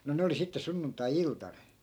no ne oli sitten sunnuntai-iltana